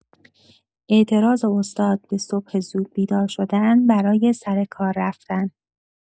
اعتراض استاد به صبح زود بیدار شدن برای سر کار رفتن